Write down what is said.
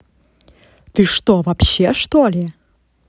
ты что вообще что ли